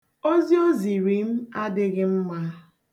Ozi o ziri m adịghị mma.